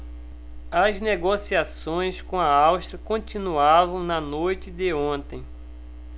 as negociações com a áustria continuavam na noite de ontem